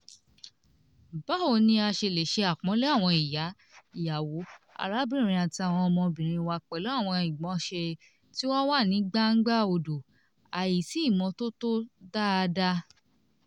Báwo ni a ṣe lè ṣe àpọ́nlé àwọn ìyá, ìyàwó, arábìnrin àti àwọn ọmọbìnrin wa pẹ̀lú àwọn ìgbọ̀nsẹ̀ tí wọ́n wà ní gbangba odò – àìsí ìmọ́tótó dáadáa ?